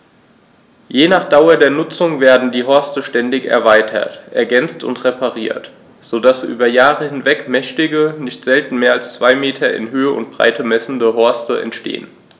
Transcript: Je nach Dauer der Nutzung werden die Horste ständig erweitert, ergänzt und repariert, so dass über Jahre hinweg mächtige, nicht selten mehr als zwei Meter in Höhe und Breite messende Horste entstehen.